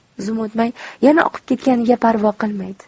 zum o'tmay yana oqib ketganiga parvo qilmaydi